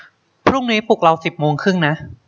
พรุ่งนี้ปลุกเราสิบโมงครึ่งนะ